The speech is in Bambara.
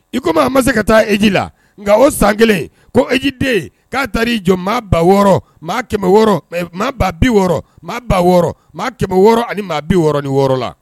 I komi a ma se ka taa hiji la, nka o san kelen ko hijiden , k'a taa'ri jɔ maa ba wɔɔrɔ maa kɛmɛ wɔɔrɔ maa ba bi wɔɔrɔ maa ba wɔɔrɔ maa kɛmɛ wɔɔrɔ ani maa bi wɔɔrɔ ni wɔɔrɔ la